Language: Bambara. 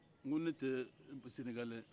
nko ne tɛ sɛnɛgalɛ ye